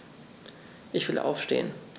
Ich will aufstehen.